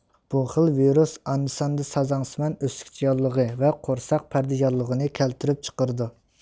بۇ خىل ۋىرۇس ئاندا ساندا سازاڭسىمان ئۆسۈكچە ياللۇغى ۋە قورساق پەردە ياللۇغىنى كەلتۈرۈپ چىقىرىدۇ